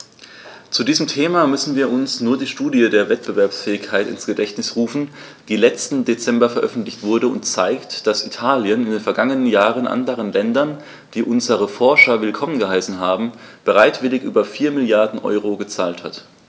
Zu diesem Thema müssen wir uns nur die Studie zur Wettbewerbsfähigkeit ins Gedächtnis rufen, die letzten Dezember veröffentlicht wurde und zeigt, dass Italien in den vergangenen Jahren anderen Ländern, die unsere Forscher willkommen geheißen haben, bereitwillig über 4 Mrd. EUR gezahlt hat.